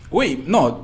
oui non